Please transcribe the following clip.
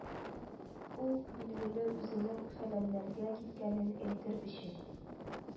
Ул, билгеле, үзенең фәләннәргә киткәнен әйтер өчен